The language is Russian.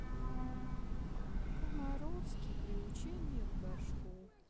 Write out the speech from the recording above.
комаровский приучение к горшку